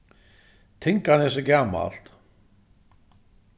tinganes er gamalt